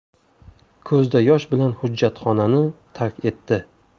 ko'zda yosh bilan hujjatxonani tark etdi